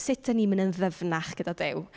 Sut 'y ni'n mynd yn ddyfnach gyda Duw?